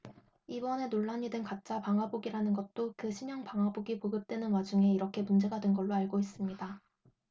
이번에 논란이 된 가짜 방화복이라는 것도 그 신형 방화복이 보급되는 와중에 이렇게 문제가 된 걸로 알고 있습니다